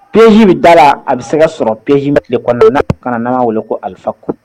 Piège min dara, a bɛ se ka sɔrɔ piège in de kɔnɔna la, n'o de kama n'an b'a weele ko al faaku